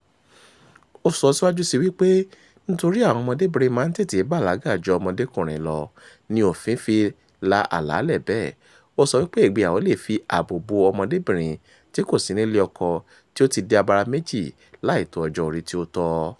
Ó sọ síwájú sí i wípé nítorí àwọn ọmọdébìnrin máa ń tètè bàlágà ju ọmọdékùnrin lọ ni òfin fi la àlàálẹ̀ bẹ́ẹ̀. Ó sọ wípé ìgbéyàwó lè fi ààbò bo ọmọdébìnrin tí kò sí nílé ọkọ tí ó ti di abaraméjì láì tó ọjọ́ orí tí ó tọ́.